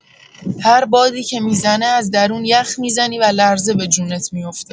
هر بادی که می‌زنه از درون یخ می‌زنی و لرزه به جونت میوفته.